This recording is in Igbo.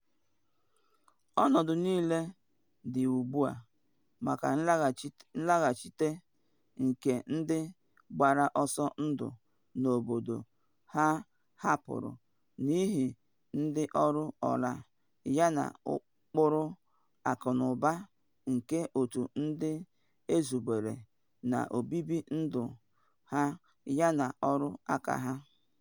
Ọnọdụ niile dị ugbu a maka nlaghachite nke ndị gbara ọsọ ndụ n’obodo ha hapụrụ n’ihi ndị ọlụọ ọlaa yana ụkpụrụ akụnụba nke otu ndị ezubere na obibi ndụ ha yana ọrụ aka ha.